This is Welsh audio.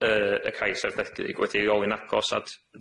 yy y cais arddegig wedi leoli'n agos at